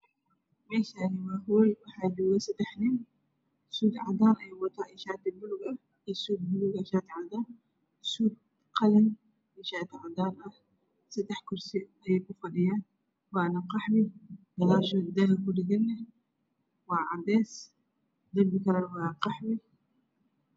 Meeshani waa hool waxaa jooga sadex nin. Suut cadaan ah ayay wataan iyo shaati bulug ah.iyo suut bulug ah iyo shaati cadaan ah suudh qalin iyo shaati cadaan ah sadex kurisi ayay kufadhiyaan waana qaxwi gadaashod daaha kudhagan yahay waa cadays darbiga kale aa qaxwi